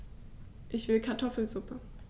Ich will Kartoffelsuppe.